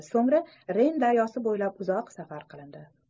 so'ngra reyn daryosi bo'ylab uzoq safar qilindi